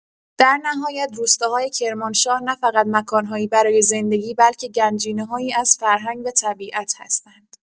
در نهایت، روستاهای کرمانشاه نه‌فقط مکان‌هایی برای زندگی، بلکه گنجینه‌هایی از فرهنگ و طبیعت هستند.